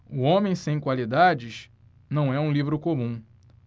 o homem sem qualidades não é um livro comum